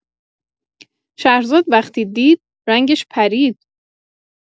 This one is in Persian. شهرزاد وقتی دید، رنگش پرید.